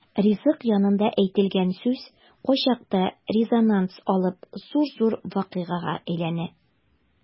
Ризык янында әйтелгән сүз кайчакта резонанс алып зур-зур вакыйгага әйләнә.